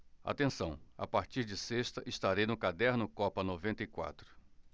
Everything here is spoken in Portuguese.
atenção a partir de sexta estarei no caderno copa noventa e quatro